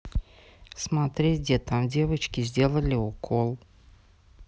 смотреть где там девочке сделали укол